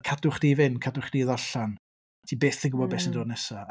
Cadw chdi i fynd, cadw chdi i ddarllen. Ti byth yn gwbod... mm. ...be sy'n dod nesa.